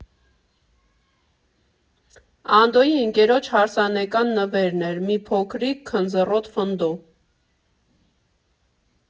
Անդոյի ընկերոջ հարսանեկան նվերն էր՝ մի փոքրիկ քնձռոտ ֆնդո։